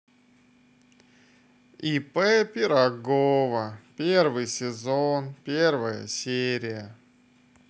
ип пирогова первый сезон первая серия